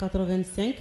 Kato nsɛ